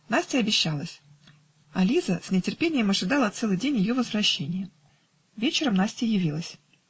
Настя обещалась, а Лиза с нетерпением ожидала целый день ее возвращения. Вечером Настя явилась.